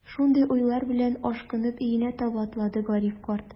Шундый уйлар белән, ашкынып өенә таба атлады Гариф карт.